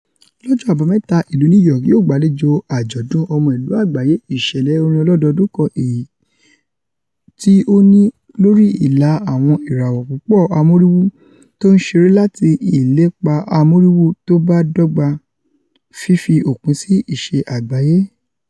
Lọ́jọ́ Àbámẹ́ta ìlú New York yóò gbàlejò Àjọ̀dun Ọmọ Ìlú Àgbáyé, ìṣẹ̀lẹ̀ orin ọlọ́ọdọdún kan èyití ó ní lórí-ìlà àwọn ìràwọ̀ púpọ̀ amóríwú tó ńṣeré àti ìlépa amóríwú tóbáa dọ́gba; fífi òpin sí ìṣẹ́ àgbáyé.